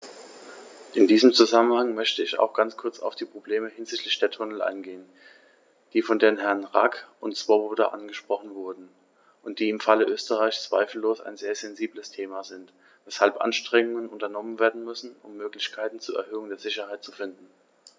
In diesem Zusammenhang möchte ich auch ganz kurz auf die Probleme hinsichtlich der Tunnel eingehen, die von den Herren Rack und Swoboda angesprochen wurden und die im Falle Österreichs zweifellos ein sehr sensibles Thema sind, weshalb Anstrengungen unternommen werden müssen, um Möglichkeiten zur Erhöhung der Sicherheit zu finden.